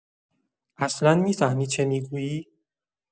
اصلا می‌فهمی چه می‌گویی؟!